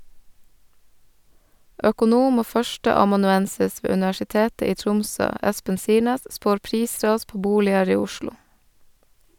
Økonom og førsteamanuensis ved Universitetet i Tromsø, Espen Sirnes, spår prisras på boliger i Oslo.